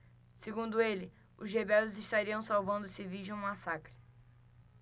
segundo ele os rebeldes estariam salvando os civis de um massacre